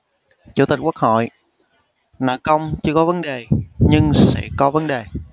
chủ tịch quốc hội nợ công chưa có vấn đề nhưng sẽ có vấn đề